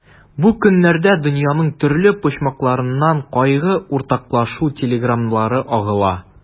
Бу көннәрдә дөньяның төрле почмакларыннан кайгы уртаклашу телеграммалары агыла.